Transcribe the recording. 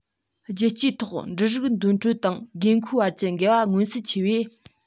རྒྱལ སྤྱིའི ཐོག འབྲུ རིགས འདོན སྤྲོད དང དགོས མཁོའི བར གྱི འགལ བ མངོན གསལ ཆེ བ